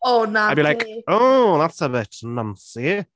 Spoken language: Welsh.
O, na... I'll be like, oh, that's a bit noncey!